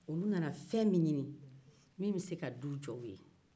u nana fɛn min ɲini min bɛ se ka du jɔ u ye